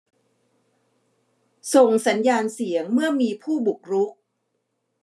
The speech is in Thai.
ส่งสัญญาณเสียงเมื่อมีผู้บุกรุก